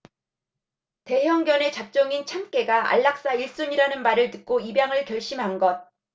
대형견에 잡종인 참깨가 안락사 일 순위라는 말을 듣고 입양을 결심한 것